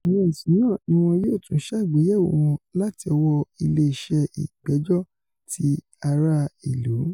Àwọn ẹ̀sùn náà ni wọ́n yóò tún ṣàgbéyẹ̀wò wọn láti ọwọ́ Ilé Iṣẹ́ Ìgbẹ́jọ́ ti Ara Ìlú.